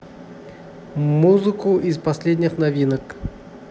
музыку из последних новинок